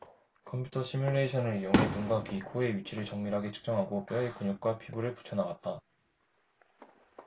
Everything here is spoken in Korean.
컴퓨터 시뮬레이션을 이용해 눈과 귀 코의 위치를 정밀하게 측정하고 뼈에 근육과 피부를 붙여 나갔다